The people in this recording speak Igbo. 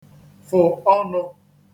fụ̀ ọnụ̄